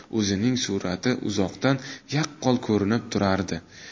o'zining surati uzoqdan yaqqol ko'rinib turardi